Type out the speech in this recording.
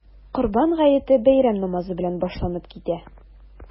Корбан гаете бәйрәм намазы белән башланып китә.